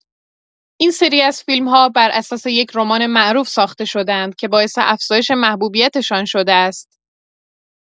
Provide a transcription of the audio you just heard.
این سری از فیلم‌ها بر اساس یک رمان معروف ساخته شده‌اند که باعث افزایش محبوبیتشان شده است.